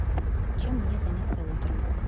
чем мне заняться утром